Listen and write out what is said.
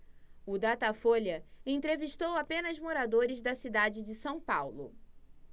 o datafolha entrevistou apenas moradores da cidade de são paulo